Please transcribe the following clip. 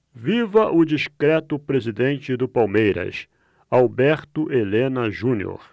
viva o discreto presidente do palmeiras alberto helena junior